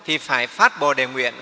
thì phải phát bồ đề nguyện